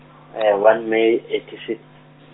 one May, eighty si-.